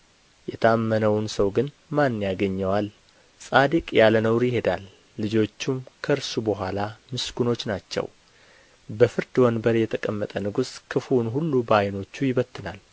የታመነውን ሰው ግን ማን ያገኘዋል ጻድቅ ያለ ነውር ይሄዳል ልጆቹም ከእርሱ በኋላ ምስጉኖች ናቸው በፍርድ ወንበር የተቀመጠ ንጉሥ ክፉውን ሁሉ በዓይኖቹ ይበትናል